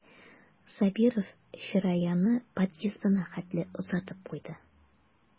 Сабиров Фираяны подъездына хәтле озатып куйды.